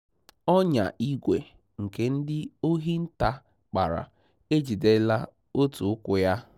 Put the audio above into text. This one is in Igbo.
Ọnyà ígwè nke ndị ohi nta kpara ejidela otu ụkwụ ya.